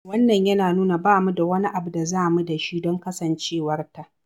Wannan yana nuna ba mu da wani abu da za mu da shi don kasancewarta.